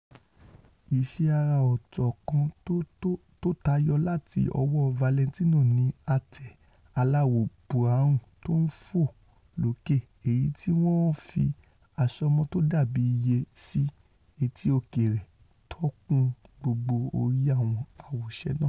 Iṣẹ́ ara-ọ̀tọ̀ kan tótayọ láti ọwọ́ Valentino ni ate aláwọ̀ búráùn tó-ń-fòlókè èyití wọ́n fi àṣomọ́ tódàbí ìyẹ́ sí etí-òkè rẹ̀ tókún gbogbo orí àwọn àwòṣe náà.